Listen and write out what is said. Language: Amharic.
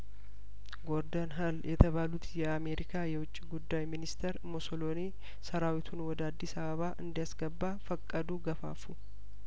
ጐርደን ኸል የተባሉት የአሜሪካ የውጭ ጉዳይሚኒስተር ሞሶሎኒ ሰራዊቱን ወደ አዲስ አበባ እንዲያስገባ ፈቀዱ ገፋፉ